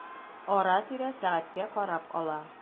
Ара-тирә сәгатькә карап ала.